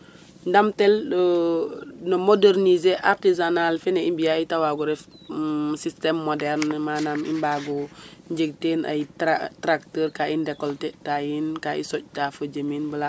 Ndamtel no moderniser artisanal fene i mbi'aa it ta waag o ref systeme moderne manaam i mbaag o njeg ten ay tracteur ka i ndekolteta yiin ka i soƴta fo jem miin.